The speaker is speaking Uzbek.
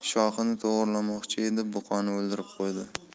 shoxini to'g'rilamoqchi edi buqani o'ldirib qo'ydi